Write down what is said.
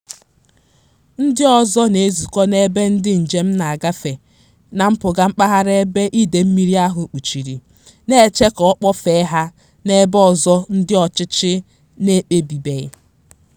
Ndị ọzọ na-ezukọ n'ebe ndị njem na-agafe na mpụga mpaghara ebe ide mmiri ahụ kpuchiri, na-eche ka a kpọfee ha n'ebe ọzọ ndị ọchịchị n'ekpebibeghị.